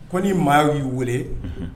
Ko ni maa yi weele